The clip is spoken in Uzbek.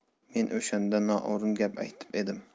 men o'shanda noo'rin gap aytib edim